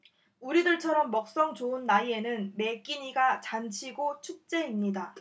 우리들처럼 먹성 좋은 나이에는 매 끼니가 잔치고 축제입니다